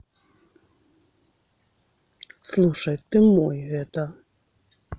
слушай ты мой это